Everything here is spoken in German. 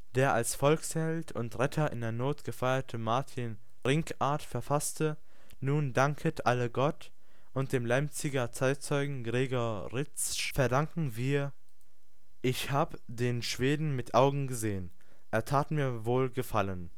Der als Volksheld und Retter in der Not gefeierte Martin Rinckart verfasste " Nun danket alle Gott ", und dem Leipziger Zeitzeugen Gregor Ritzsch verdanken wir " Ich hab den Schweden mit Augen gesehen; er tat mir wohl gefallen